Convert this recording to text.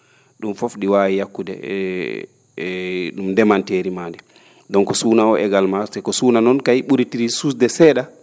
?um fof ?i waawi yakkude e e ndemanteeri maa ndii donc suuna oo également si ko suuna noon kay ?uuri tiri? suusde see?a